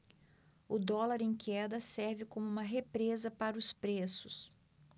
o dólar em queda serve como uma represa para os preços